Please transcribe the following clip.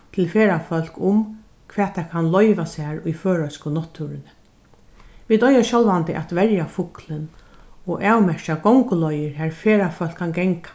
til ferðafólk um hvat tað kann loyva sær í føroysku náttúruni vit eiga sjálvandi at verja fuglin og avmerkja gonguleiðir har ferðafólk kann ganga